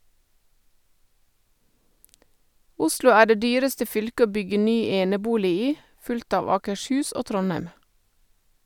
Oslo er det dyreste fylket å bygge ny enebolig i , fulgt av Akershus og Trondheim.